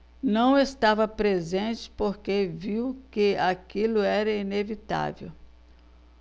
não estava presente porque viu que aquilo era inevitável